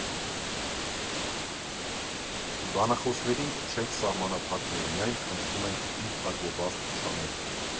Բանախոսներին չենք սահմանափակում, միայն խնդրում ենք ինքնագովազդ չանել։